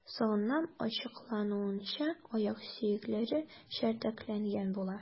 Соңыннан ачыклануынча, аяк сөякләре чәрдәкләнгән була.